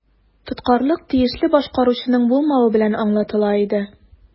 Тоткарлык тиешле башкаручының булмавы белән аңлатыла иде.